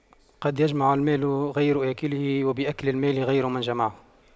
قد يجمع المال غير آكله ويأكل المال غير من جمعه